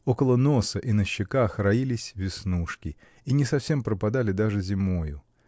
Около носа и на щеках роились веснушки и не совсем пропадали даже зимою.